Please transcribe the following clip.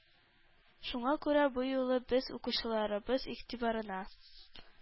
Шуңа күрә бу юлы без укучыларыбыз игътибарына